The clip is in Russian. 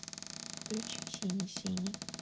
включи синий синий